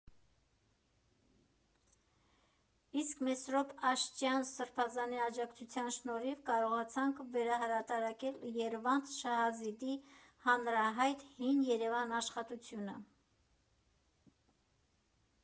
Իսկ Մեսրոպ Աշճյան սրբազանի աջակցության շնորհիվ կարողացանք վերահրատարակել Երվանդ Շահազիզի հանրահայտ «Հին Երևան» աշխատությունը։